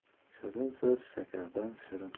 shirin so'z shakardan shirin